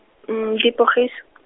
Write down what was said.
dipogiso.